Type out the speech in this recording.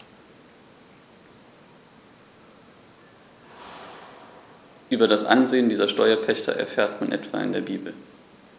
Über das Ansehen dieser Steuerpächter erfährt man etwa in der Bibel.